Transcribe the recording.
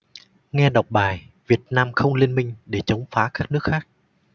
nghe đọc bài việt nam không liên minh để chống phá nước khác